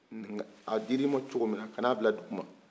nk'a dir'i ma cogominan kanabila duguma